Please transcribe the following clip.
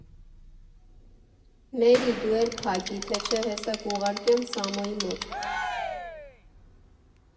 Մերի, դու էլ փակի, թե չէ հեսա կուղարկեմ Սամոյի մոտ…